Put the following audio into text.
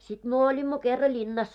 sitten me olimme kerran linnassa